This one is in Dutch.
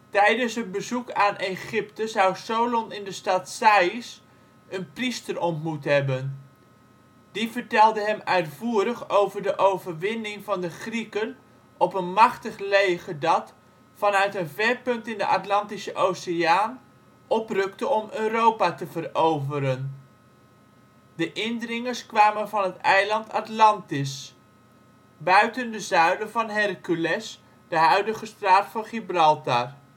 een bezoek aan Egypte zou Solon in de stad Saïs een priester ontmoet hebben. Die vertelde hem uitvoerig over de overwinning van de Grieken op " een machtig leger dat, vanuit een ver punt in de Atlantische Oceaan, oprukte om Europa te veroveren. De indringers kwamen van een eiland Atlantis, buiten de Zuilen van Hercules (de huidige straat van Gibraltar